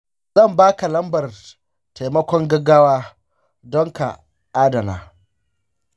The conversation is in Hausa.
zan ba ka lambar taimakon gaggawa don ka adana.